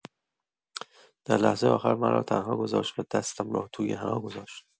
در لحظه آخر مرا تنها گذاشت و دستم را توی حنا گذاشت.